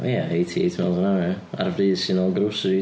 Ia eighty eight miles an hour ia ar frys i nôl groceries.